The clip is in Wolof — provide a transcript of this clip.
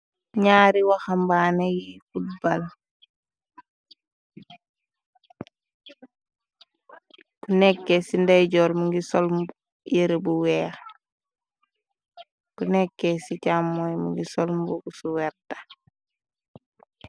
Nyaari waxambaane yi futbal nekee ci ndeyjooryëre sop mbobu weex. Bu nekkee ci càmmooy mi ngi sol mbuba bu wert.